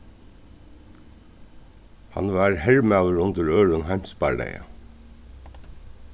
hann var hermaður undir øðrum heimsbardaga